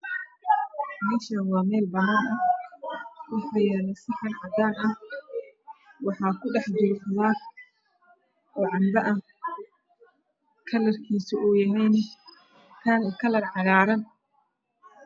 Meeshan waa meel banan aha waxaa yaalo saxan cadaan ah waxaa ku dhexjiro qudaar canba ah kalarkiisana waa kalar caagaran